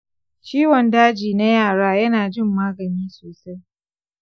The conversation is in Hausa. ciwon daji na yara yanajin magani sosai.